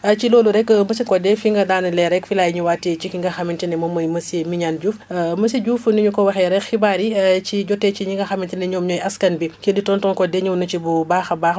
ci loolu rek monsieur Codé fi nga daaneelee rek fi laay ñëwaatee ci ki nga xamante ni moom mooy monsieur Mignane Diouf monsieur Diouf ni ñu ko waxee rek xibaar yi ci jotee ci ñi nga xamante ne ñoom ñooy askan bi kii di tonton Codé ñëw na ci bu baax a baax